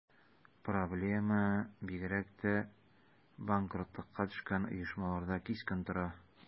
Проблема бигрәк тә банкротлыкка төшкән оешмаларда кискен тора.